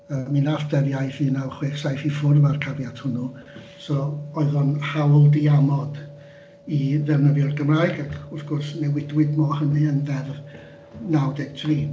Yy mi wnaeth Deddf Iaith un naw chwech saith i ffwrdd â'r cafiat hwnnw, so oedd o'n hawl diamod i ddefnyddio'r Gymraeg, ac wrth gwrs newidiwyd mo hynny yn ddeddf naw deg tri.